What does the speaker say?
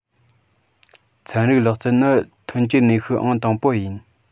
ཚན རིག ལག རྩལ ནི ཐོན སྐྱེད ནུས ཤུགས ཨང དང པོ ཡིན